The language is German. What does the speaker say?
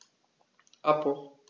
Abbruch.